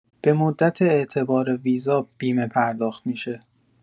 به مدت اعتبار ویزا بیمه پرداخت می‌شه